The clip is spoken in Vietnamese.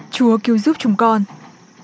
chúa cứu giúp chúng con